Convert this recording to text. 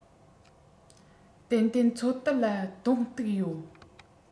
ཏན ཏན ཚོང དུད ལ གདོང གཏུག ཡོད